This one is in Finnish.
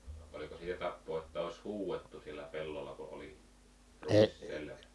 oliko sitä tapaa jotta olisi huudettu siellä pellolla kun oli ruis selvä